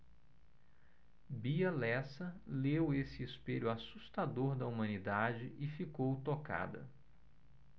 bia lessa leu esse espelho assustador da humanidade e ficou tocada